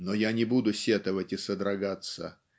но я не буду сетовать и содрогаться